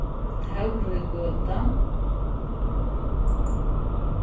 tórugøta